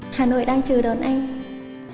hà nội đang chờ đón anh